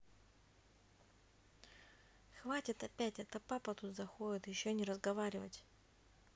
хватит опять это папа тут заходит еще не разговаривать